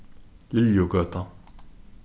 liljugøta